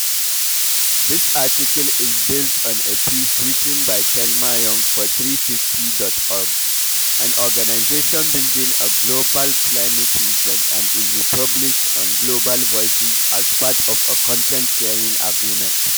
This article is based on a piece written by Thelma Young for 350.org, an organisation building a global climate movement, and is republished on Global Voices as part of a content-sharing agreement.